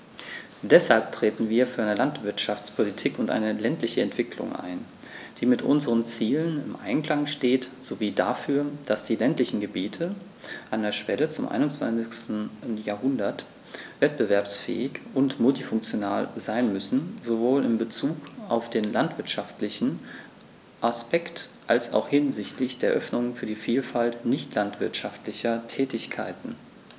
Deshalb treten wir für eine Landwirtschaftspolitik und eine ländliche Entwicklung ein, die mit unseren Zielen im Einklang steht, sowie dafür, dass die ländlichen Gebiete an der Schwelle zum 21. Jahrhundert wettbewerbsfähig und multifunktional sein müssen, sowohl in Bezug auf den landwirtschaftlichen Aspekt als auch hinsichtlich der Öffnung für die Vielfalt nicht landwirtschaftlicher Tätigkeiten.